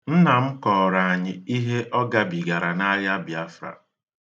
Nna m kọọrọ anyị ihe ọ gabigara n'agha Biafra.